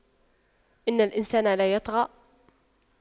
إِنَّ الإِنسَانَ لَيَطغَى